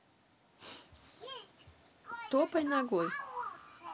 топай ногой